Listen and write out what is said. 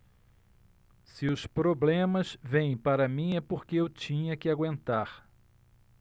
se os problemas vêm para mim é porque eu tinha que aguentar